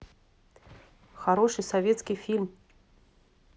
хороший советский фильм